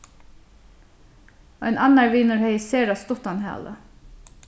ein annar vinur hevði sera stuttan hala